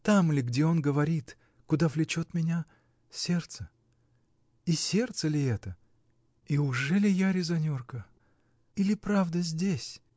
Там ли, где он говорит, куда влечет меня. сердце? И сердце ли это? И ужели я резонерка? Или правда здесь?.